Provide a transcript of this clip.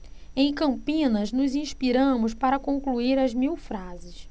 em campinas nos inspiramos para concluir as mil frases